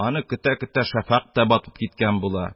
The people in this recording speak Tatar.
Аны көтә-көтә, шәфәкъ тә батып киткән була.